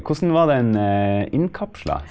hvordan var den innkapsla?